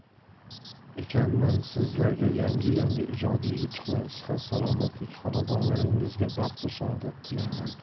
ekanman sizlarga yangi yangi ijodiy yutuqlar sihat salomatlik xonadonlaringizga baxtu saodat tilayman